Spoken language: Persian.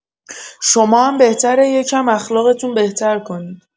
شمام بهتره یکم اخلاقتون بهتر کنید